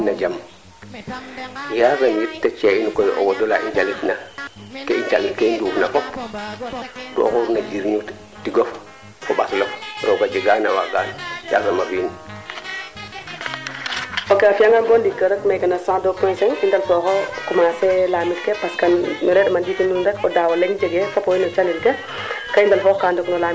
i ndingilo a laamta xam kaa fela xama lool yaam o kiin xano laamtong laamto kiinoxe ke feluuna bo laatanoona keete an na rek roog moƴu foko yaal ma content to andam teno o ndik koy weemo an fop koy yaam roog soom andu fop nda jega koy ka anma na qooq roog moƴu